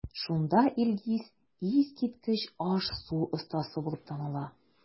Шунда Илгиз искиткеч аш-су остасы булып таныла.